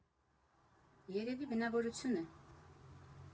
Երևի բնավորություն է.